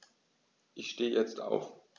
Ich stehe jetzt auf.